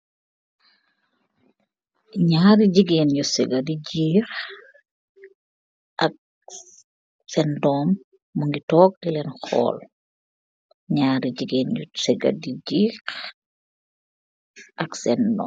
Nyarri jigeen yuu sehnga di jeehi ak cen dorm mugeih tokk dilen hool, nyarri jigeen di sehnga di jeehi ak cen dorm.